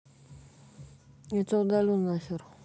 я тебя удалю на хер